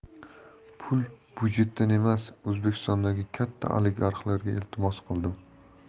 pul budjetdan emas o'zbekistondagi katta oligarxlarga iltimos qildim